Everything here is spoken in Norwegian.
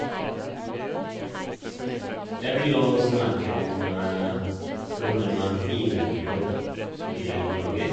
Jeg vil å snakke om hvordan man finner jobb i Norge.